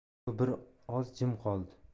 u bir oz jim qoldi